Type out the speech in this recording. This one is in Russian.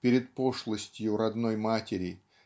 перед пошлостью родной матери